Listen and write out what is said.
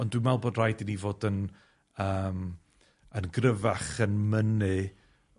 ond dwi'n meddwl bod raid i ni fod yn yym yn gryfach yn mynnu